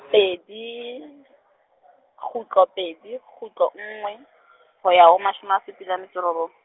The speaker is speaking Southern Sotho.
pedi, kgutlo pedi kgutlo nngwe, hoya ho mashome a supileng a metso e robong.